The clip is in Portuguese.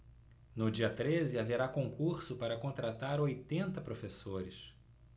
no dia treze haverá concurso para contratar oitenta professores